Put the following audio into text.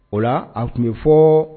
O la a tun bɛ fɔ